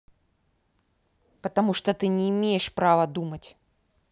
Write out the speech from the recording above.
потому что ты не имеешь права думать